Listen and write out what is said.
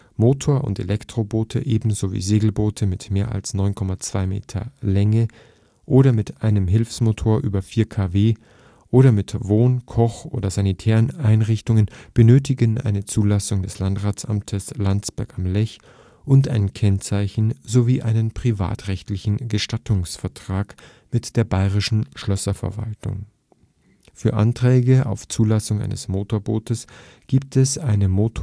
Motor - und Elektroboote ebenso wie Segelboote mit mehr als 9,20 m Länge oder mit einem Hilfsmotor über 4 kW oder mit Wohn -, Koch - oder sanitären Einrichtungen benötigen eine Zulassung des Landratsamtes Landsberg am Lech und ein Kennzeichen sowie einen privatrechtlichen Gestattungsvertrag mit der Bayerischen Schlösserverwaltung. Für Anträge auf Zulassung eines Motorbootes gibt es eine Motorbootvormerkliste